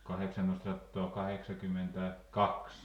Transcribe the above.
- kahdeksantoistasataakahdeksankymmentäkaksi